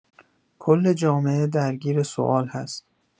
کل جامعه درگیر سوال هست.